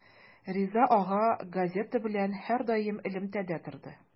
Риза ага газета белән һәрдаим элемтәдә торды.